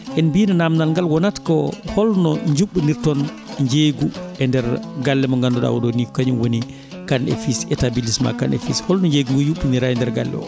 en mbino namdal ngal wonata ko holno juɓɓordirton jeygu e nder galle mo ngannduɗaa oɗoni ko kañum woni Kane et fils établissement Kane e fils o holno jeygungu yuppira e nder galle o